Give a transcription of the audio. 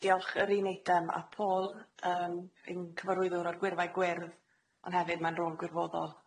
Yy diolch yr un eitem a Paul yym fi'n cyfarwyddwr o'r gwyrfau gwyrdd on' hefyd ma'n rôn gwirfoddol.